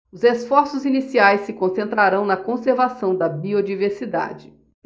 os esforços iniciais se concentrarão na conservação da biodiversidade